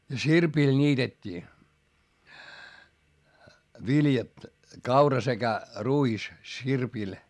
ja sirpillä niitettiin viljat kaura sekä ruis sirpillä